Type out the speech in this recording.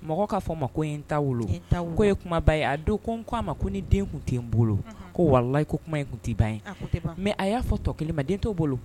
Mɔgɔ k'a fɔ ma ko ɲe n ta wolo ɲe n ta wolo ko ye kuma ba ye a don ko n ko a ma ko ni den tun te n bolo unhun ko walahi ko kuma in tun ti ban ye a kun te ban mais a y'a fɔ tɔkelen ma den t'o bolo